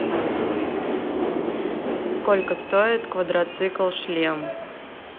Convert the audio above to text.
сколько стоит квадроцикл шлем